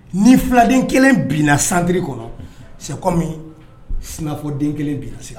Ni filaden kelen bɛ na santiriri kɔnɔ sɛ kɔmi sinafɔden kelen bɛ sisan